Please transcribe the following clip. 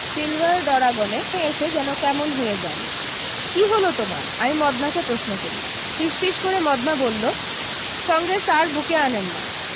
silver ডরাগনে এসে যেন কেমন হয়ে যান কী হলো তোমার আমি মদনাকে প্রশ্ন করি ফিসফিস করে মদনা বললো সঙ্গে স্যার বুকে আনেন না